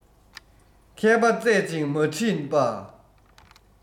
མཁས པ རྩད ཅིང མ དྲིས པ